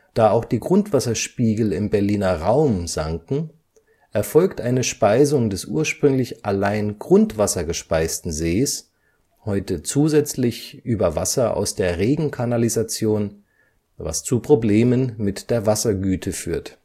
Da auch die Grundwasserspiegel im Berliner Raum sanken, erfolgt eine Speisung des ursprünglich allein grundwassergespeisten Sees heute zusätzlich über Wasser aus der Regenkanalisation, was zu Problemen mit der Wassergüte führt